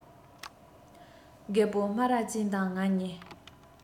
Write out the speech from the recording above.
རྒད པོ སྨ ར ཅན དང ང གཉིས